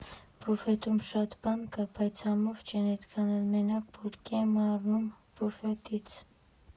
Բուֆետում շատ բան կա, բայց համով չեն էդքան էլ, մենակ բուլկի եմ առնում բուֆետից։